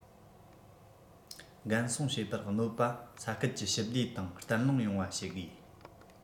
འགན སྲུང བྱེད པར གནོད པ ས ཁུལ གྱི ཞི བདེ དང བརྟན ལྷིང ཡོང བ བྱེད དགོས